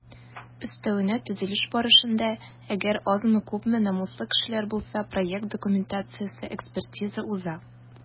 Өстәвенә, төзелеш барышында - әгәр азмы-күпме намуслы кешеләр булса - проект документациясе экспертиза уза.